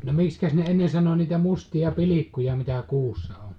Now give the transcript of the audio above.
no miksikäs ne ennen sanoi niitä mustia pilkkuja mitä kuussa on